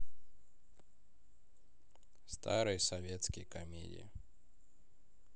старые советские комедии